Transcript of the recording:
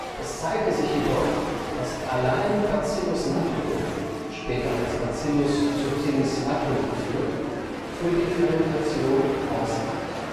Es zeigte sich jedoch, dass allein Bacillus natto (später als Bacillus subtilis natto geführt) für die Fermentation ausreicht